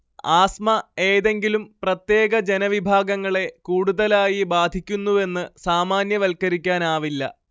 asthma ഏതെങ്കിലും പ്രത്യേക ജനവിഭാഗങ്ങളെ കൂടുതലായി ബാധിക്കുന്നുവെന്ന് സാമാന്യവൽക്കരിക്കാനാവില്ല